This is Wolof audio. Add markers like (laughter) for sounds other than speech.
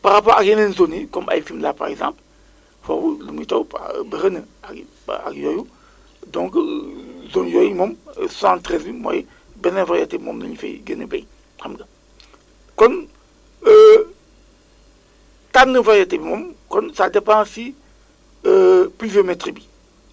par rapport ak yeneen zones yi comme ay Fimela par exemeple foofu lu muy taw pa (hesitation) bëri na ak ak yooyu donc (hesitation) zone yooyu moom 73 bi mooy benn variété bi moom la ñu fay gën a béy xam nga kon (hesitation) tànn variété bi moom kon ça dépend si (hesitation) pluviométrie bi